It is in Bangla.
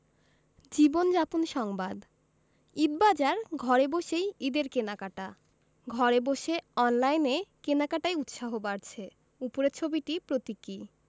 জীবনযাপন সংবাদ ঈদবাজার ঘরে বসেই ঈদের কেনাকাটা ঘরে বসে অনলাইনে কেনাকাটায় উৎসাহ বাড়ছে উপরের ছবিটি প্রতীকী